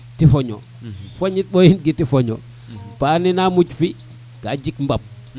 te faño fayin mboyin te faño pale na muj fi ka ji mbap